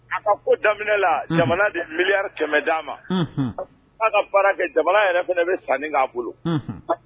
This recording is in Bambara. A ka ko daminɛ la, unhun, jamana de miliyari kɛmɛ d'a ma, unhun, k'a ka baara kɛ jamana yɛrɛ bɛ sanni k' a bolo, unhun